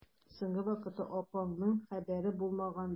Соңгы вакытта апаңның хәбәре булмагандыр?